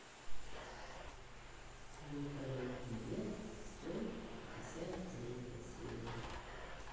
великолепный век сто пятьдесят третья серия